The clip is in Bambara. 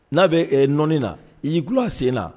N'a bɛ nɔɔni na i y'i tulo sen na